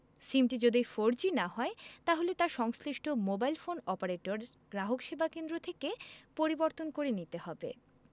সিমটি যদি ফোরজি না হয় তাহলে তা সংশ্লিষ্ট মোবাইল ফোন অপারেটরের গ্রাহকসেবা কেন্দ্র থেকে পরিবর্তন করে নিতে হবে